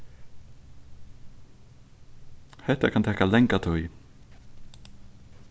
hetta kann taka langa tíð